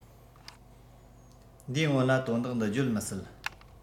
འདིའི སྔོན ལ དོན དག འདི བརྗོད མི སྲིད